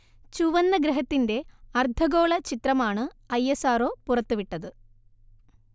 ചുവന്ന ഗ്രഹത്തിന്റെ അർദ്ധഗോള ചിത്രമാണ് ഐഎസ്ആർഒ പുറത്തുവിട്ടത്